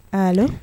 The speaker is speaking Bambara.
Ala